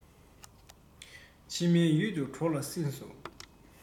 ཕྱི མའི ཡུལ དུ གྲོགས ལ བསྲིངས སོ